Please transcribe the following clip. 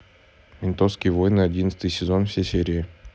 ментовские войны одиннадцатый сезон все серии